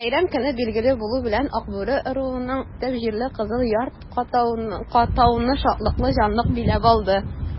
Бәйрәм көне билгеле булу белән, Акбүре ыруының төп җирлеге Кызыл Яр-катауны шатлыклы җанлылык биләп алды.